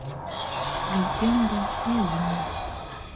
легенда о юнхи